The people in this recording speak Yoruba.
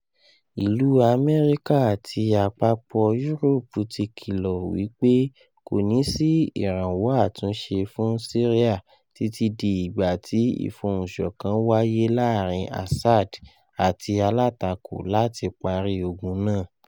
Ilu Amẹrika ati Apapọ Uropu ti kilo wi pe koni si iranwọ atunṣe fun Siria titi di igba ti ifohunṣọkan waye laarin Assad ati alatako lati pari ogun naa.